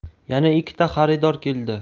yana ikkita xaridor keldi